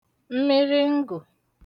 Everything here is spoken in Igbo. mmiri ngụ̀